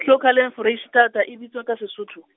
Clocolan Foreisetata e bitswa ka Sesotho?